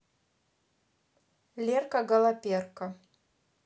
лерка голоперка